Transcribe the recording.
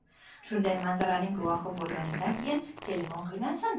shunday manzaraning guvohi bo'lganingdan keyin telefon qilasan da